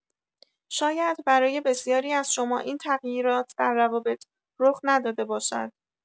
شاید برای بسیاری از شما این تغییرات در روابط رخ نداده باشد.